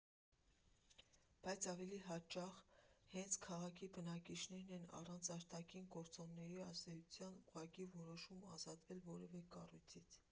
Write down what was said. Բայց ավելի հաճախ հենց քաղաքի բնակիչներն են առանց արտաքին գործոնների ազդեցության ուղղակի որոշում ազատվել որևէ կառույցից։